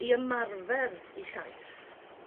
i ymarfer 'u llais